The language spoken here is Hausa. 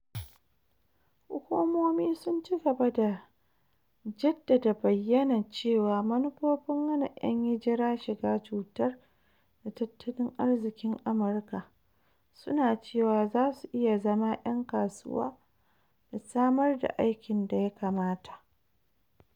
Hukumomi sun ci gaba da jaddada bayyanan cewa manufofin hana ‘yan hijara shiga cutar da tattalin arzikin Amurka, su na cewa za su iya zama 'yan kasuwa da "samar da aikin da ya kamata."